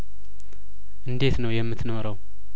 እንዴት ነው የምትኖረው